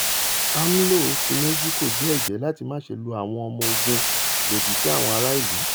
AMLO ti Mẹ́ṣíkò jẹ́ ẹ̀jẹ̵́ láti máṣe lo àwọn ọmọ ogun lòdì sí àwọn ara ìlú.